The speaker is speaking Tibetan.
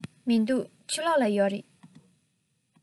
མི འདུག ཕྱི ལོགས ལ ཡོད རེད